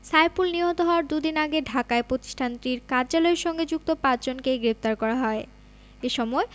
সাইফুল নিহত হওয়ার দুদিন আগে ঢাকায় প্রতিষ্ঠানটির কার্যালয়ের সঙ্গে যুক্ত পাঁচজনকে গ্রেপ্তার করা হয় এ সময়